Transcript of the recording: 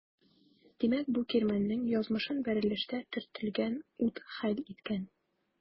Димәк бу кирмәннең язмышын бәрелештә төртелгән ут хәл иткән.